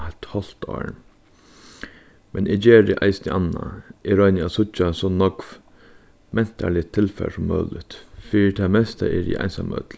hálvt ár men eg geri eisini annað eg royni at síggja so nógv mentanarligt tilfar sum møguligt fyri tað mesta eri eg einsamøll